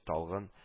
Талгын